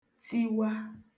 tiwa